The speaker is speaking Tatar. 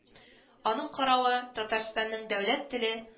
Аның каравы, Татарстанның дәүләт теле -